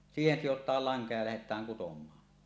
siihen sidotaan lanka ja lähdetään kutomaan